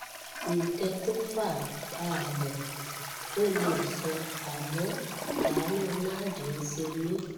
Nǹkan to fà á mo ‘ò le sọ àmọ́ àánú Nad ṣe mí.